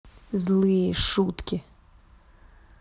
злые шутки